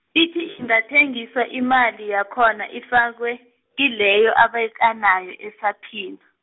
ithi ingathengiswa imali yakhona ifakwe, kileyo, abekanayo asaphila.